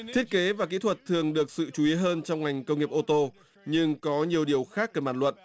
thiết kế và kỹ thuật thường được sự chú ý hơn trong ngành công nghiệp ô tô nhưng có nhiều điều khác về mặt luật